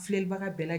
Filɛbaga bɛ kɛ